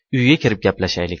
uyga kirib gaplashaylik